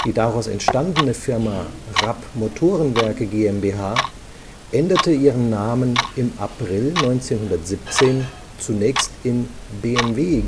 daraus entstandene Firma Rapp Motorenwerke GmbH änderte ihren Namen im April 1917 zunächst in BMW